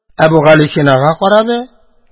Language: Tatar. Әбүгалисинага карады.